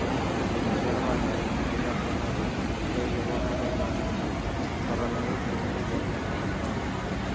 germaniya va yaponiyada xitoyga bormaganlarning ham koronavirus yuqtirib olgani aniqlandi